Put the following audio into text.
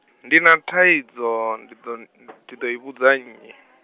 ndi na thaidzo, ndi ḓo n-, ndi ḓo i vhudza nnyi?